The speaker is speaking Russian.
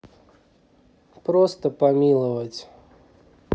просто помиловать